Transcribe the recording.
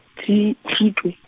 Tshi- Tshitwe.